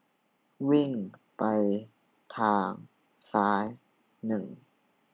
วิ่งไปทางซ้ายหนึ่ง